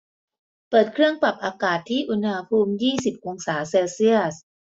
เปิดเครื่องปรับอากาศที่อุณหภูมิยี่สิบองศาเซลเซียส